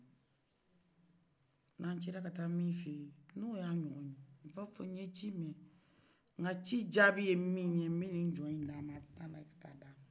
n'an cila ka taa min feyi n'o y'a ɲɔngɔnye o ba fɔ n ye ci mɛ nga ci jaabi ye minye n be ni jɔn ni d'a ma a be taa ka taa d'ama